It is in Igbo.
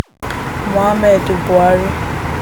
Muhammadu Buhari